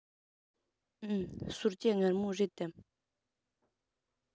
འུན གསོལ ཇ མངར མོ རེད དམ